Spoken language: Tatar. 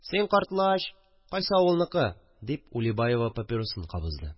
– син, картлач, кайсы авылныкы? – дип улибаева папиросын кабызды